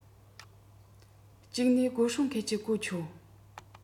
གཅིག ནས སྒོ སྲུང མཁན གྱི གོ ཆོད